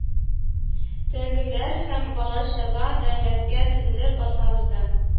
Тәгеләр һәм бала-чага да рәткә тезелеп басабыз да